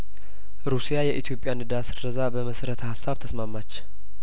ሩስያ የኢትዮጵያን እዳ ስረዛ በመሰረተ ሀሳብ ተስማማች